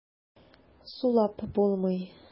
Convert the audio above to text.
Сулап булмый.